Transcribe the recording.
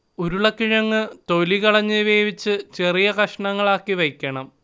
ഉരുളക്കിഴങ്ങ് തൊലി കളഞ്ഞു വേവിച്ചു ചെറിയ കഷണങ്ങളാക്കി വയ്ക്കണം